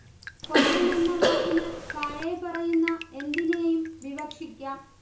കൊല്ലം എന്ന വാക്കിനാൽ താഴെപ്പറയുന്ന എന്തിനേയും വിവക്ഷിക്കാം